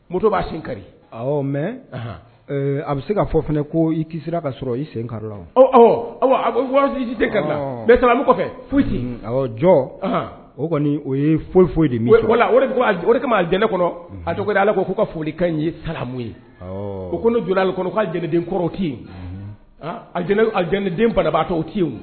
Musoto b'a sen kari mɛ a bɛ se ka fɔ fana ko i kisira ka sɔrɔ i sen ka laji ka bɛɛ kalamu kɛ foyisi jɔ o kɔni o ye foyi foyi o de kama j ne kɔnɔ a tɔgɔ ala ko fo ka foli ka in ye kalamu ye o ko j kɔnɔ u ka jeniden kɔrɔ yen a aden balabaatɔ o te yen